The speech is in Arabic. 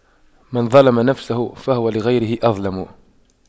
من ظَلَمَ نفسه فهو لغيره أظلم